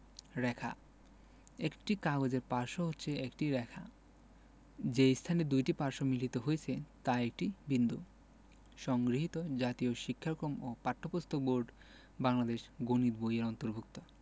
রেখাঃ একটি কাগজের পার্শ্ব হচ্ছে একটি রেখা যে স্থানে দুইটি পার্শ্ব মিলিত হয়েছে তা একটি বিন্দু সংগৃহীত জাতীয় শিক্ষাক্রম ও পাঠ্যপুস্তক বোর্ড বাংলাদেশ গণিত বই-এর অন্তর্ভুক্ত